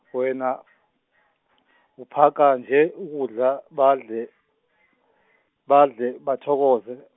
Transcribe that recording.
wena uphaka nje ukudla badle, badle bathokoze.